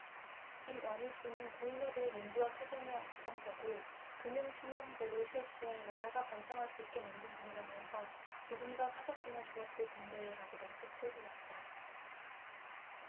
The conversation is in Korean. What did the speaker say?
김완일씨는 고인에 대해 민주화 투쟁에 앞장서고 금융실명제를 실시해 나라가 번창할 수 있게 만든 분이라면서 조금 더 사셨으면 좋았을 텐데 라며 말끝을 흐렸다